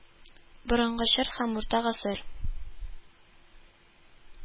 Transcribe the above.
Борынгы чор һәм Урта гасыр